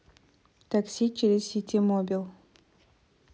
такси через ситимобил